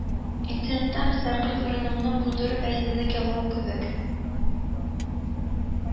Интернетта мөстәкыйль урыныңны булдыру бәйсезлек яулау кебек